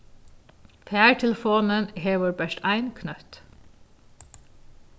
fartelefonin hevur bert ein knøtt